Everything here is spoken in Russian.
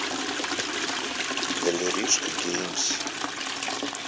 валеришка геймс